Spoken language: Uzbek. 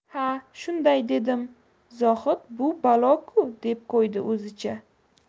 ha shunday dedim zohid bu balo ku deb qo'ydi o'zicha